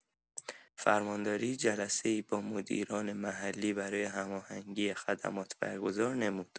فرمانداری جلسه‌ای با مدیران محلی برای هماهنگی خدمات برگزار نمود.